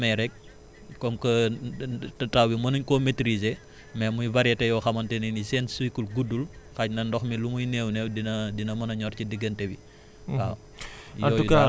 yooyu moom bu ñu ko amee rek comme que taw bi mënuñ koo maitriser mais muy variétés yoo xamante ne ni seen cycle gddul xëy na ndox mi lu muy néewnéew dina dina mun a ñor ci diggante bi